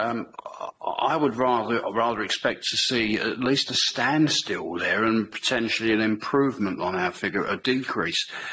Yym I would rather I'd rather expect to see at least a standstill there and potentially an improvement on that figure, a decrease.